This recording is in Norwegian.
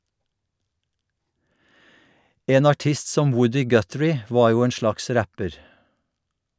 En artist som Woody Guthrie var jo en slags rapper.